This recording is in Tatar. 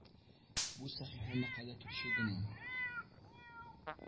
Бу сәхифә мәкалә төпчеге генә